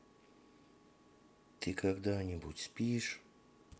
ты когда нибудь спишь